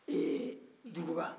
duguba